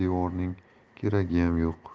devorning keragiyam yo'q